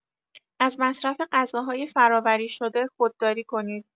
از مصرف غذاهای فرآوری‌شده خودداری کنید.